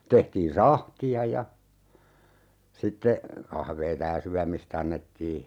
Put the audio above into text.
tehtiin sahtia ja sitten kahvia ja syömistä annettiin